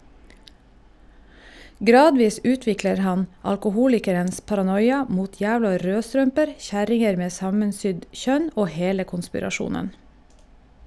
Gradvis utvikler han alkoholikerens paranoia, mot jævla rødstrømper, kjerringer med sammensydd kjønn og hele konspirasjonen.